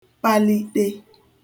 paliṭe